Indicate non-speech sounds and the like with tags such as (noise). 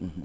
(hesitation) (hesitation)